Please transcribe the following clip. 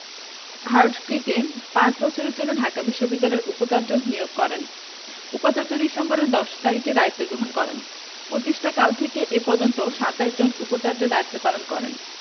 হার্টগকে পাঁচ বছরের জন্য ঢাকা বিশ্ববিদ্যালয়ের উপাচার্য নিয়োগ করেন উপাচার্য ডিসেম্বরের ১০ তারিখে দায়িত্ব গ্রহণ করেন প্রতিষ্ঠাকাল থেকে এ পর্যন্ত ২৭ জন উপাচার্য দায়িত্ব পালন করেন